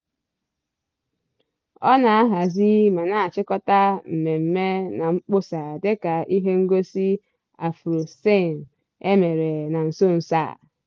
Ọ na-ahazi ma na-achịkọta mmemme na mkpọsa dịka ihe ngosi AfroCine emere na nsonso a.